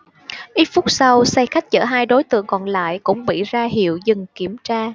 ít phút sau xe khách chở hai đối tượng còn lại cũng bị ra hiệu dừng kiểm tra